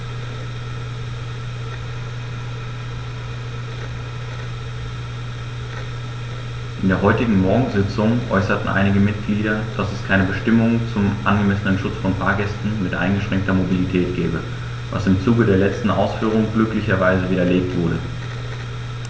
In der heutigen Morgensitzung äußerten einige Mitglieder, dass es keine Bestimmung zum angemessenen Schutz von Fahrgästen mit eingeschränkter Mobilität gebe, was im Zuge der letzten Ausführungen glücklicherweise widerlegt wurde.